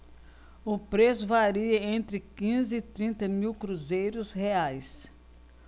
o preço varia entre quinze e trinta mil cruzeiros reais